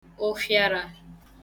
ụ̀fịàrà